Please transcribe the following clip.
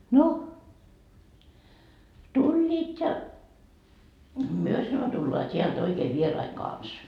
no tulivat ja me sanoi tullaan täältä oikein vieraiden kanssa